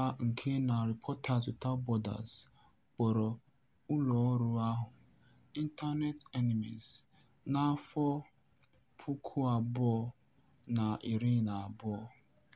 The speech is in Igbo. a nke na Reporters Without Borders kpọrọ ụlọọrụ ahụ “Internet Enemy” na 2012.